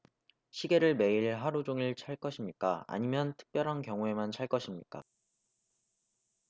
시계를 매일 하루 종일 찰 것입니까 아니면 특별한 경우에만 찰 것입니까